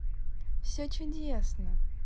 все чудесно